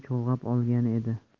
chulg'ab olgan edi